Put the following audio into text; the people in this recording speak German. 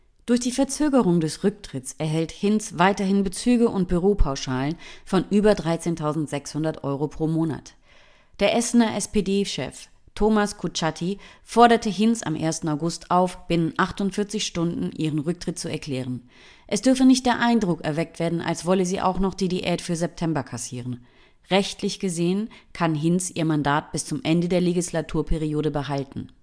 Durch die Verzögerung des Rücktritts erhält Hinz weiterhin Bezüge und Büropauschalen von über 13.600 Euro pro Monat. Der Essener SPD-Chef Thomas Kutschaty forderte Hinz am 1. August auf, binnen 48 Stunden ihren Rücktritt zu erklären: „ Es dürfe nicht der Eindruck erweckt werden, als wolle sie auch noch die Diät für September kassieren. “Rechtlich gesehen kann Hinz ihr Mandat bis zum Ende der Legislaturperiode behalten